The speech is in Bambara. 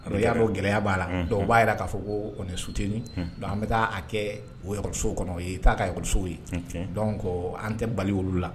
A y'a mɛn gɛlɛya b'a la dɔw b'a jira k'a fɔ ko suteeli an bɛ taa kɛ o yɔrɔsow kɔnɔ i t' ka yɔrɔsow ye an tɛ bali olu la